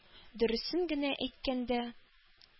Дөресен генә әйткәндә,